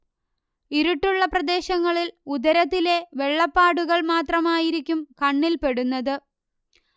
ഇരുട്ടുള്ള പ്രദേശങ്ങളിൽ ഉദരത്തിലെ വെള്ളപ്പാടുകൾ മാത്രമായിരിക്കും കണ്ണിൽപ്പെടുന്നത്